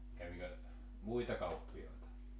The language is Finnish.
kävikö muita kauppiaita